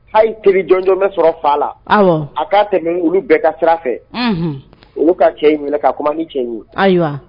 Hali teri jɔnjɔn bɛ sɔrɔ fa la awɔ a ka tɛmɛ olu bɛɛ ka sira fɛ unhun olu ka cɛ in minɛ ka kuma ni cɛ in ye ayiwaa